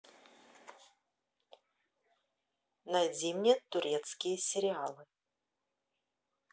найди мне турецкие сериалы